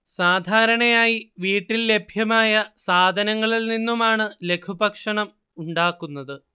സാധാരണയായി വീട്ടിൽ ലഭ്യമായ സാധനങ്ങളിൽ നിന്നുമാണ് ലഘുഭക്ഷണം ഉണ്ടാക്കുന്നത്